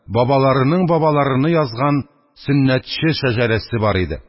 Бабаларының бабаларыны язган «сөннәтче шәҗәрә»се бар иде.